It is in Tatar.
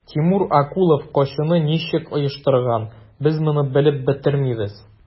Тимур Акулов качуны ничек оештырган, без моны белеп бетермибез.